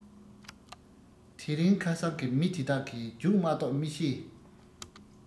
དེ རིང ཁ སང གི མི དེ དག གིས རྒྱུགས མ གཏོགས མི ཤེས